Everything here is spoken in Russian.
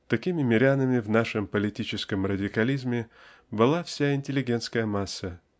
Такими мирянами в нашем политическом радикализме была вся интеллигентская масса